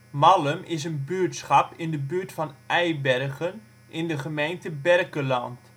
Mallem is een buurtschap in de buurt van Eibergen (gemeente Berkelland